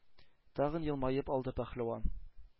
Тагын елмаеп алды пәһлеван.